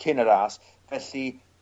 cyn y ras felly